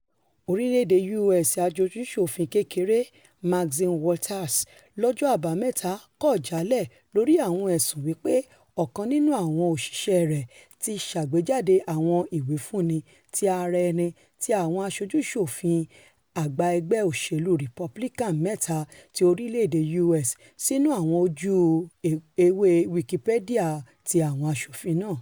orílẹ̀-èdè U.S. Aṣojú-ṣòfin kékeré Maxine Walters lọ́jọ́ Àbámẹ́ta kọ̀ jálẹ̀ lórí àwọn ẹ̀sùn wí pé ọ̀kan nínú àwọn òṣìṣẹ́ rẹ̀ ti ṣàgbéjáde àwọn ìwífúnni ti ara ẹni ti àwọn aṣojú-ṣòfin àgbà ẹgbẹ́ òṣèlú Republican mẹ́ta ti orílẹ̀-èdè U.S. sínu àwọn ojú-ewé Wikipedia ti àwọn àṣofin náà.